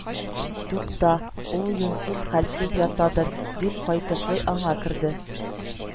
Тукта, ул юньсез хәлсез ятадыр, дип, кайтышлый аңа керде